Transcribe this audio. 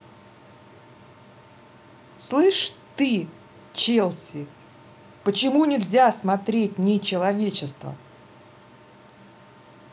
слышь ты челси почему нельзя смотреть не человечества